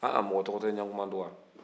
ah mɔgɔ tɔgɔ tɛ ɲankumduwa